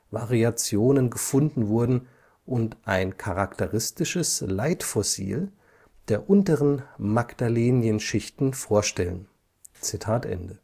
Variationen gefunden wurden und ein charakteristisches Leitfossil der unteren Magdalénienschichten vorstellen. “In